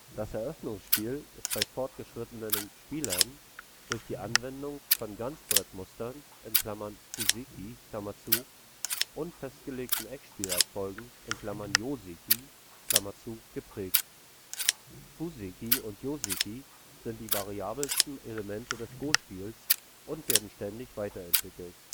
Das Eröffnungsspiel ist bei fortgeschrittenen Spielern durch die Anwendung von Ganzbrettmustern (Fuseki) und festgelegten Eckspielabfolgen (Jōseki) geprägt. Fuseki und Jōseki sind die variabelsten Elemente des Go-Spiels und werden ständig weiterentwickelt